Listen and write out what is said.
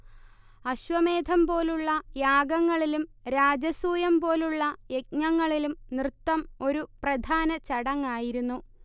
അശ്വമേധം പോലുള്ള യാഗങ്ങളിലും രാജസൂയം പോലുള്ള യജ്ഞങ്ങളിലും നൃത്തം ഒരു പ്രധാന ചടങ്ങായിരുന്നു